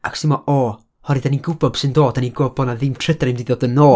Ac os ti meddwl, o, oherwydd dan ni'n gwbod be' sy'n dod, dan ni'n gwbod bo' na ddim trydan yn mynd i ddod yn ôl...